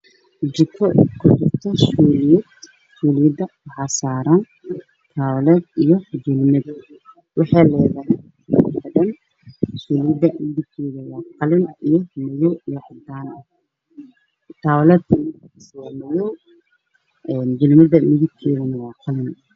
Waa kushiin midabkiis yahay madow oo wax lagu karsado waxaa saaran ibriiq iyo dugsi armaajo ayuu leeyahay